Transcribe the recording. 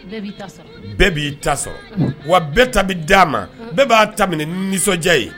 Bɛɛ b'i ta sɔrɔ wa bɛɛ ta bɛ d'a ma bɛɛ b'a ta minɛ ni nisɔndiya ye